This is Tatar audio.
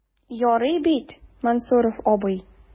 Ярый бит, Мансуров абый?